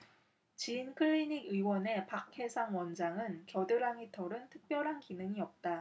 지인클리닉의원의 박해상 원장은 겨드랑이 털은 특별한 기능이 없다